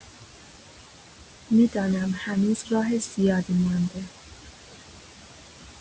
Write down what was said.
می‌دانم هنوز راه زیادی مانده.